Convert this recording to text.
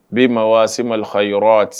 Bi ma waa malika yɔrɔ